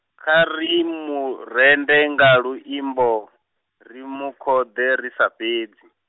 kha ri murenzhe nga luimbo, ri mukhode ri sa fhedzi.